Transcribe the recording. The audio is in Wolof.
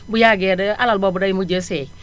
bu yàgge de alal boobu day mujjee seey